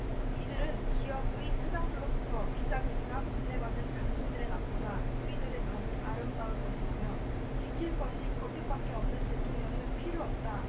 이들은 기업의 회장들로부터 비자금이나 건네받는 당신들의 낮보다 우리들의 밤이 아름다울 것이라며 지킬 것이 거짓밖에 없는 대통령은 필요 없다